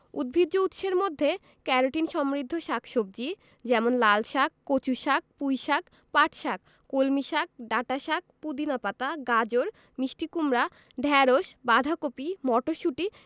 উদ্ভিজ্জ উৎসের মধ্যে ক্যারোটিন সমৃদ্ধ শাক সবজি যেমন লালশাক কচুশাক পুঁইশাক পাটশাক কলমিশাক ডাঁটাশাক পুদিনা পাতা গাজর মিষ্টি কুমড়া ঢেঁড়স বাঁধাকপি মটরশুঁটি